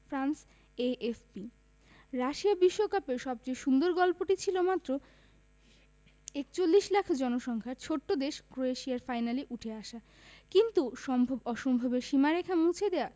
France AFP Russia বিশ্বকাপে সবচেয়ে সুন্দর গল্পটি ছিল মাত্র ৪১ লাখ জনসংখ্যার ছোট্ট দেশ ক্রোয়েশিয়ার ফাইনালে উঠে আসা কিন্তু সম্ভব অসম্ভবের সীমারেখা মুছে দেয়া